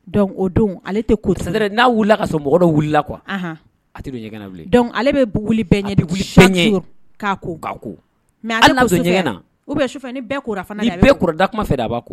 Donc o don ale tɛ kurusi c'est vrai n'a wulila ka sɔrɔ mɔgɔ dɔ wulila quoi anhan, a tɛ don ɲɛgɛn na bilen donc ale bɛ wuuli bɛɛ ɲɛ k'a ko k'a ko ou bien sufɛ ni bɛɛ kora fana k'ale ni bɛɛ kɔra datuma fɛ de a b'a ko